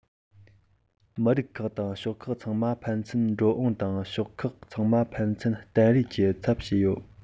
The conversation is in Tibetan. མི རིགས ཁག དང ཕྱོགས ཁག ཚང མ ཕན ཚུན འགྲོ འོང དང ཕྱོགས ཁག ཚང མ ཕན ཚུན བརྟེན རེས ཀྱིས ཚབ བྱས ཡོད